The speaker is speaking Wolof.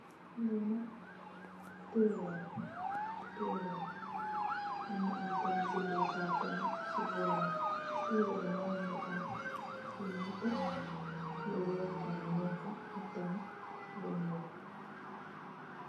Li nak teereh la, teereh la. Mungi am tamit bindèkaay tamit ci boram. Teereh bi nak mungi am lu netè, lu weeh tamit mung fa ak tamit lu ñuul.